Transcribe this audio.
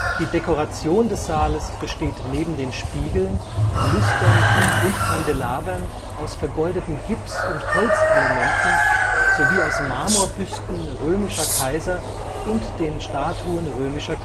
Die Dekoration des Saales besteht neben den Spiegeln, Lüstern und Kandelabern aus vergoldeten Gips - und Holzelementen sowie aus Marmorbüsten römischer Kaiser und den Statuen römischer